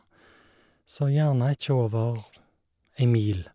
Så gjerne ikke over ei mil.